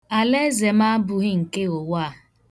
Alaeze m abụghị nke ụwa a.